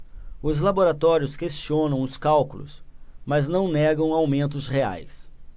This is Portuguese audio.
os laboratórios questionam os cálculos mas não negam aumentos reais